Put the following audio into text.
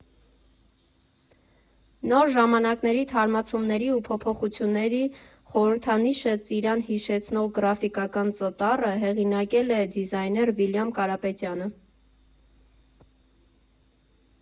Նոր ժամանակների, թարմացումների ու փոփոխությունների խորհրդանիշը՝ ծիրան հիշեցնող գրաֆիկական Ծ տառը, հեղինակել է դիզայներ Վիլյամ Կարապետյանը։